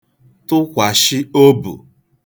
tụkwàshị obù